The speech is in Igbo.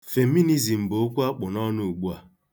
Feminizm bụ okwu a kpụ n'ọnụ ugbu a.